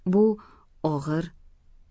bu og'ir